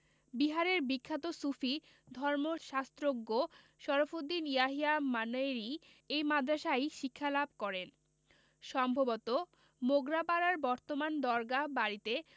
বিহারের বিখ্যাত সুফি ধর্মশাস্ত্রজ্ঞ শরফুদ্দীন ইয়াহিয়া মানেরী এই মাদ্রাসায়ই শিক্ষালাভ করেন সম্ভবত মোগরাপাড়ার বর্তমান দরগাহ বাড়িতে